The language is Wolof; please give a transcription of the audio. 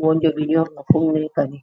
wonjo gi ñor nga xumneekani